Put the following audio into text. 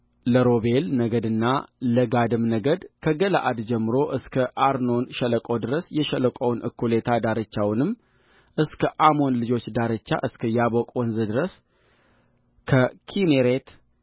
ለሮቤል ነገድና ለጋድም ነገድ ከገለዓድ ጀምሮ እስከ አርኖን ሸለቆ ድረስ የሸለቆውን እኩሌታ ዳርቻውንም እስከ አሞን ልጆች ዳርቻ እስከ ያቦቅ ወንዝ ድረስከኪኔሬት